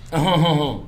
Ɔnhɔn ɔnhɔn ɔnhɔn